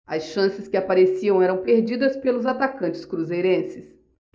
as chances que apareciam eram perdidas pelos atacantes cruzeirenses